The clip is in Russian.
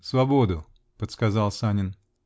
-- Свободу, -- подсказал Санин.